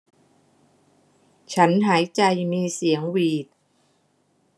ฉันหายใจมีเสียงหวีด